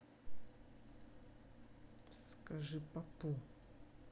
скажи попу